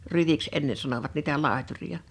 ryiksi ennen sanoivat niitä laitureita